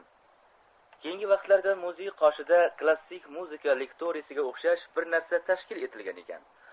keyingi vaqtlarda muzey qoshida klassik muzika lektoriysiga o'xshash bir narsa tashkil etilgan ekan